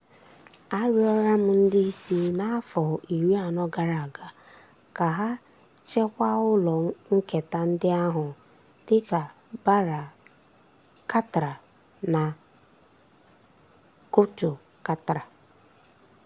Arịọla m ndị isi n'afọ iri anọ gara aga ka ha chekwaa ụlọ nketa ndị ahụ dịka Bara Katra na Choto Katra.